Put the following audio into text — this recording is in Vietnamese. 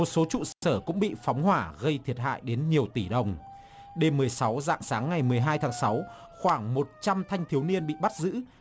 một số trụ sở cũng bị phóng hỏa gây thiệt hại đến nhiều tỷ đồng đêm mười sáu rạng sáng ngày mười hai tháng sáu khoảng một trăm thanh thiếu niên bị bắt giữ